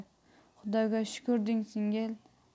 xudoga shukur deng singil